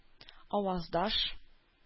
Аваздаш